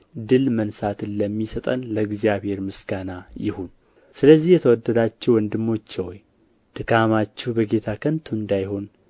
ድል መንሣትን ለሚሰጠን ለእግዚአብሔር ምስጋና ይሁን ስለዚህ የተወደዳችሁ ወንድሞቼ ሆይ ድካማችሁ በጌታ ከንቱ እንዳይሆን